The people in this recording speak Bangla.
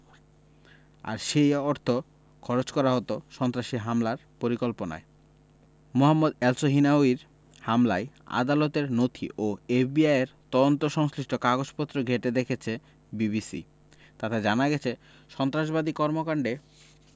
আর সেই অর্থ খরচ করা হতো সন্ত্রাসী হামলার পরিকল্পনায় মোহাম্মদ এলসহিনাউয়ির হামলায় আদালতের নথি ও এফবিআইয়ের তদন্ত সংশ্লিষ্ট কাগজপত্র ঘেঁটে দেখেছে বিবিসি তাতে জানা গেছে সন্ত্রাসবাদী কর্মকাণ্ডে